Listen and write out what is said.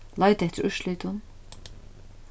leita eftir úrslitum